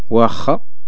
واخا